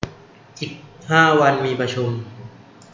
อีกห้าวันมีประชุม